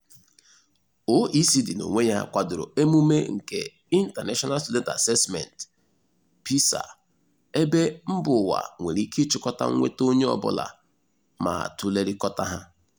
OECD n'onwe ya kwadoro emume nke International Student Assessment (PISA) ebe mbaụwa nwere ike ịchịkọta mnweta onye ọbụla ma tụlerikota ha.